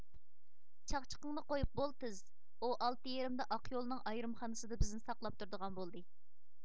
چاقچىقىڭنى قۇيۇپ بول تىز ئۇ ئالتە يېرىمدە ئاقيولنىڭ ئايرىمخانىسىدا بىزنى ساقلاپ تۇرىدىغان بولدى